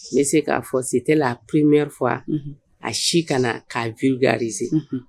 Ne bɛ se k'a fɔsi tɛ pmeri a si ka na k'a v garirize